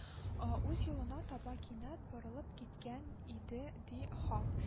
Ы үз юлына таба кинәт борылып киткән иде, ди, һап